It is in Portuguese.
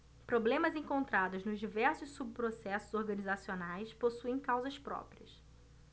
problemas encontrados nos diversos subprocessos organizacionais possuem causas próprias